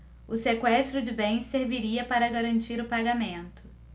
o sequestro de bens serviria para garantir o pagamento